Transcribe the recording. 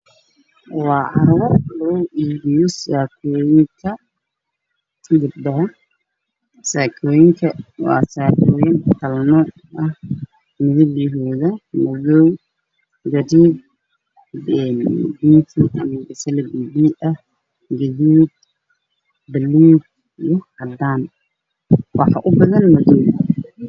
Waa carwo lugu iibiyo saakooyinka waa saakooyin kala nuuc ah midabkoodu waa madow, gaduud iyo basali biyo biyo ah, buluug iyo cadaan waxaa u badan madow.